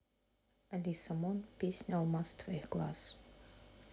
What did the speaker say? алиса мон песня алмаз твоих глаз